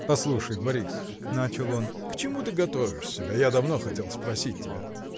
— Послушай, Борис, — начал он, — к чему ты готовишь себя, я давно хотел спросить тебя?